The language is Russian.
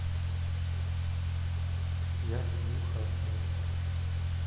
я хью хафнер